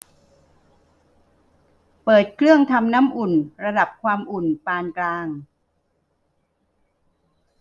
เปิดเครื่องทำน้ำอุ่นระดับความอุ่นปานกลาง